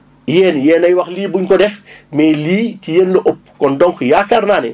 yéen yéenay wax lii buñ ko def mais lii ci yéen la ëpp kon donc yaakaar naa ne